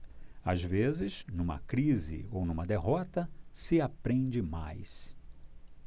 às vezes numa crise ou numa derrota se aprende mais